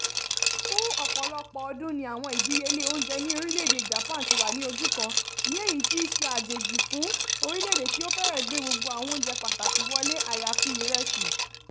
Fún ọ̀pọ̀lọpọ̀ ọdún ni àwọn ìdíyelé oúnjẹ ní orílẹ̀-èdè Japan ti wà ní ojúkan, ní èyí tí í ṣe àjèjì fún orílẹ̀-èdè tí ó fèrẹ́ gbé gbogbo àwọn oúnjẹ pàtàkì wọlé àyàfi ìrẹsì.